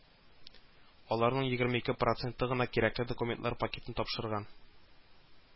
Аларның егерме ике проценты гына кирәкле документлар пакетын тапшырган